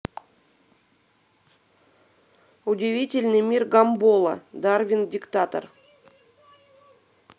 удивительный мир гамбола дарвин диктатор